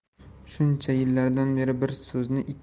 shuncha yillardan beri bir so'zini